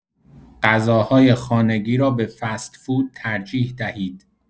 غذاهای خانگی را به فست‌فود ترجیح دهید.